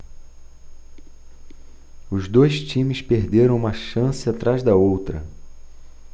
os dois times perderam uma chance atrás da outra